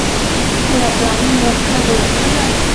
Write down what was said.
ปวดหลังเหมือนกระดูกเคลื่อน